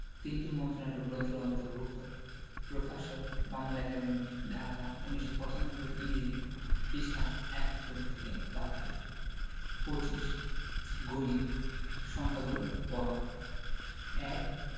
তিনটি মঞ্চনাটক গ্রন্থের অন্তর্ভুক্ত প্রকাশকঃ বাংলা একাডেমী ঢাকা ১৯৯৫ ইংরেজি পৃঃ ৭১-৭২ ২৫ গণিত সংখ্যাগুলো পড়ঃ ১